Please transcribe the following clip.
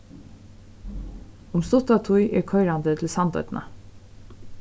um stutta tíð er koyrandi til sandoynna